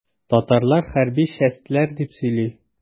Татарлар хәрби чәстләр дип сөйли.